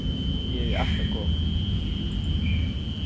eg eri akkurát komin